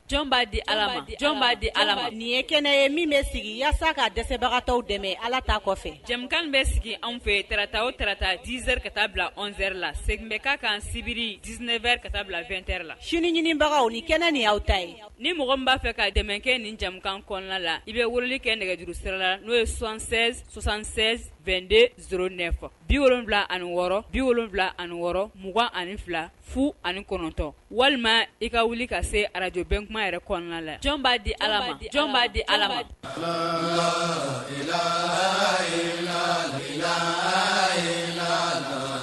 Jɔn b'a di jɔn b'a di ala nin ye kɛnɛ ye min bɛ sigi walasasa k ka dɛsɛbagata dɛmɛ ala ta kɔfɛ jamana bɛ sigi anw fɛ tta o tata dzeri ka taa bila zeri la sɛ bɛ ka kan sibiri dzeɛrɛ ka taa bila2ɛ la sini ɲinibagaw ni kɛnɛ ni aw ta ye ni mɔgɔ b'a fɛ ka dɛmɛ kɛ nin jamanakan kɔnɔna la i bɛ wuli kɛ nɛgɛjuru sera la n'o ye son7 sonsan72de s nɛ kɔ bi wolon wolonwula ani wɔɔrɔ bi wolonwula ani wɔɔrɔ 2ugan ani fila fu ani kɔnɔntɔn walima i ka wuli ka se arajbɛntuma yɛrɛ kɔnɔna la jɔn b'a di jɔn b'a di